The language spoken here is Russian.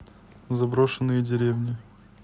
заброшенные деревни